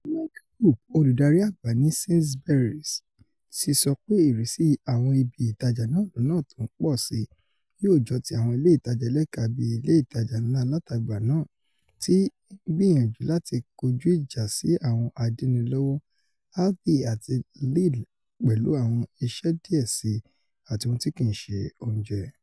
Mike Coupe, olùdarí àgbà ni Sainsbury's, ti sọ pé ìrísí àwọn ibi ìtajà náà lọna tó ńpọ̀ síi yóò jọ ti àwọn ilé ìtajà ẹlẹ́ka bí ilé ìtajà ńlá alátagbà náà ti ngbiyanju láti kọjú ìjà̀ sí àwọn adínnilówó Aldi àti Lidl pẹ̀lú àwọn iṣẹ́ díẹ̀ síi àti ohun tí kìí ṣe oúnjẹ.